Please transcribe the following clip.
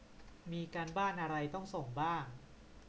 มีการบ้านอะไรต้องส่งบ้าง